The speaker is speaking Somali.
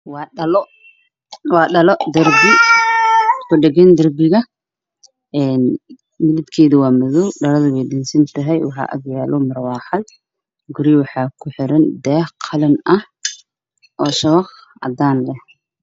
Halkaan waxaa ka muuqdo daah cadaan ah iyo marwaaxad madaw ah